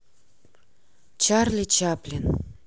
чарли чаплин